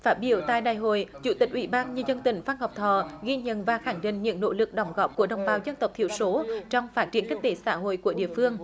phát biểu tại đại hội chủ tịch ủy ban nhân dân tỉnh phan ngọc thọ ghi nhận và khẳng định những nỗ lực đóng góp của đồng bào dân tộc thiểu số trong phát triển kinh tế xã hội của địa phương